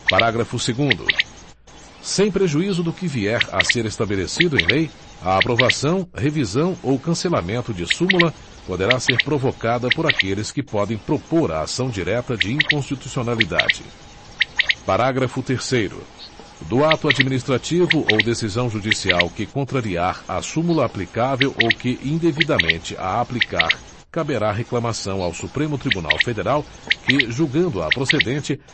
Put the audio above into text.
parágrafo segundo sem prejuízo do que vier a ser estabelecido em lei a aprovação revisão ou cancelamento de súmula poderá ser provocada por aqueles que podem propor a ação direta de inconstitucionalidade parágrafo terceiro do ato administrativo ou decisão judicial que contrariar a súmula aplicável ou que indevidamente a aplicar caberá reclamação ao supremo tribunal federal que julgando a procedente